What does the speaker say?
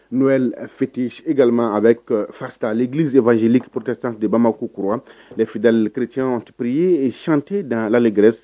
Noël fêtée également avec faste à l'église évangélique protestante de Bamako coura. Les fidèles chrétiens ont prié et chanté dans l'allégresse